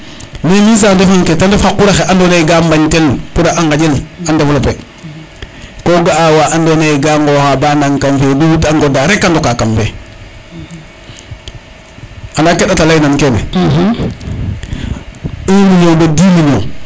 mais mis en defend ke te ref xa qura xe ando naye ga bañ tel pour a ŋañel a developper ko ga'a wa ando naye ga ngoxa ba nan kam fe duut a ŋoda rek a ndoka kam fe anda ken ndata ley nan kene un million bo dix million